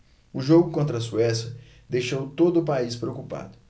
o jogo contra a suécia deixou todo o país preocupado